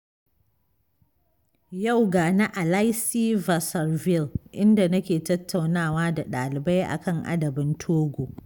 Yau gani a lycée Bassar Ville, inda nake tattaunawa da ɗalibai a kan adabin Togo.